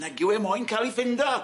Nagyw e moyn ca'l i ffindo.